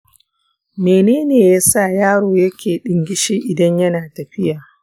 mene yasa yaro na yake ɗingishi idan yana tafiya?